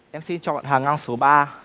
em xin chọn hàng ngang số ba